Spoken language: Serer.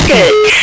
ok